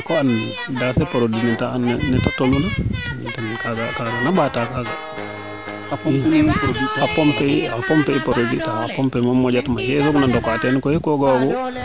ñako an base fe produit neete tolu na kaaga kaana mbaata kaaga xa pompe xa pompe i produir taa xa pompe moom monja tu may ye i soog na ndoka teen koy ko ga'oogu